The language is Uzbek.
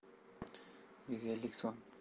yuz ellik so'm